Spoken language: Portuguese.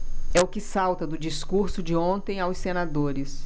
é o que salta do discurso de ontem aos senadores